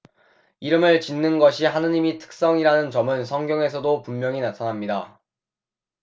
이름을 짓는 것이 하느님의 특성이라는 점은 성경에서도 분명히 나타납니다